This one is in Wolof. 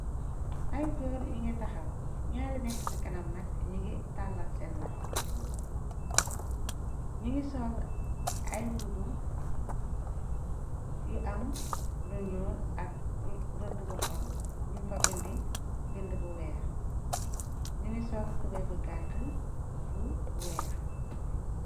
Ay goor nuge taxaw ñaari nekk ci kanam nak nuge tàllal sen loxou nuge sol ay mubu yu am lu ñuul ak rëdeh bu xonko nugfa binde binde bu weex nuge sol tubaye bu gàtte bu weex.